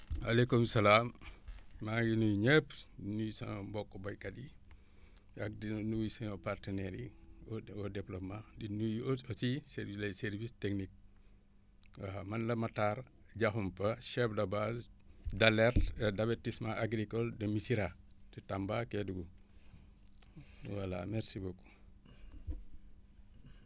maaleykum salaam maa ngi nuyu ñépp di nuyu sama mbokku baykat yi ak di nuyu sama partenaires yi au au développement di nuyu aussi seen les services techniques waaw man la Matar Diakhoumpa chef de base d' alerte et d' avertissement agricole de Missirah Tamba Kédougou voilà merci beaucoup